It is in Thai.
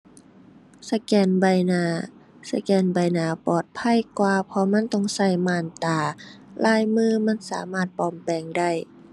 สแกนใบหน้า สแกนใบหน้าปลอดภัยกว่า เพราะมันต้องใช้ม่านตา ลายมือมันสามารถปลอมแปลงได้